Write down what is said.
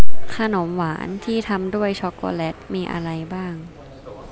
ขนมหวานที่ทำด้วยช็อกโกแลตมีอะไรบ้าง